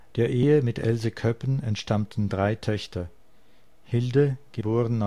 Der Ehe mit Else Köppen entstammten drei Töchter: Hilde (*